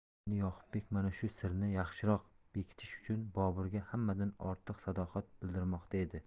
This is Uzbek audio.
endi yoqubbek mana shu sirni yaxshiroq bekitish uchun boburga hammadan ortiq sadoqat bildirmoqda edi